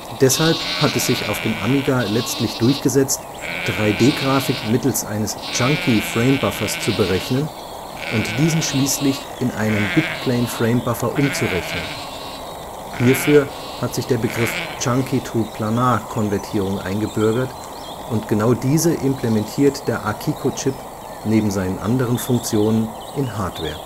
Deshalb hat es sich auf dem Amiga letztlich durchgesetzt, 3D-Grafik mittels eines Chunky-Framebuffers zu berechnen und diesen schließlich in einen Bitplane-Framebuffer umzurechnen – hierfür hat sich der Begriff Chunky-to-Planar-Konvertierung eingebürgert, und genau diese implementiert der Akiko-Chip (neben seinen anderen Funktionen) in Hardware